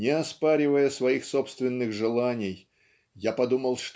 не оспаривая своих собственных желаний я подумал